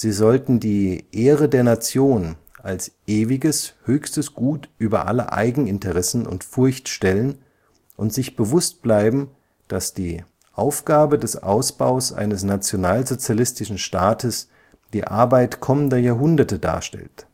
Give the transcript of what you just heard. sollten die „ Ehre der Nation “als ewiges höchstes Gut über alle Eigeninteressen und Furcht stellen und sich bewusst bleiben, dass die „ Aufgabe des Ausbaus eines nationalsozialistischen Staates die Arbeit kommender Jahrhunderte darstellt